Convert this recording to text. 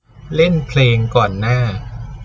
เล่นเพลงก่อนหน้า